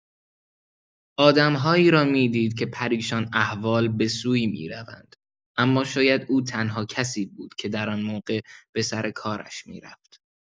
آدم‌هایی را می‌دید که پریشان‌احوال به‌سویی می‌روند، اما شاید او تنها کسی بود که در آن موقع به سر کارش می‌رفت.